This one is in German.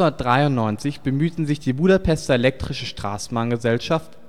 1893 bemühten sich die Budapester Elektrische Straßenbahngesellschaft